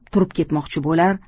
turib ketmoqchi bo'lar